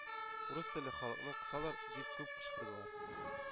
«урыс телле халык»ны кысалар, дип күп кычкырдылар.